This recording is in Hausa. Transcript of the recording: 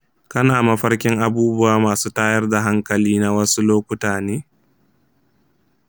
kana mafarkin abubuwa masu tayar da hankali na wasu lokuta ne?